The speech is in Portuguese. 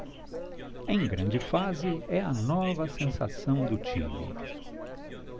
em grande fase é a nova sensação do time